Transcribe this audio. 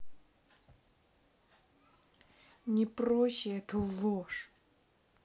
не проще эту ложь